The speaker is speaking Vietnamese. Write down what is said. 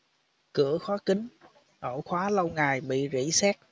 cửa khóa kín ổ khóa lâu ngày bị rỉ sét